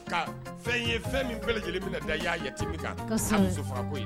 Ka fɛn ye fɛn min bɛɛ lajɛlen bɛna na da i y'a yeti min kan ka sa musofako ye